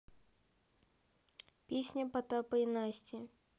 песня потапа и насти